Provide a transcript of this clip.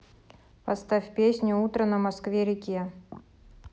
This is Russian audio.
поставь песню утро на москве реке